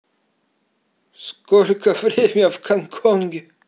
сколько время в гонконге